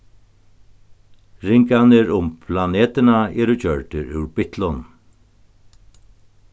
ringarnir um planetina eru gjørdir úr bitlum